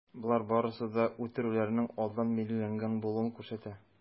Болар барысы да үтерүләрнең алдан билгеләнгән булуын күрсәтә.